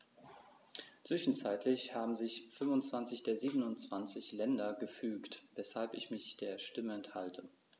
Zwischenzeitlich haben sich 25 der 27 Länder gefügt, weshalb ich mich der Stimme enthalte.